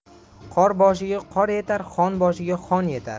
qor boshiga qor yetar xon boshiga xon yetar